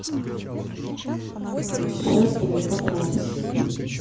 путешествие по франции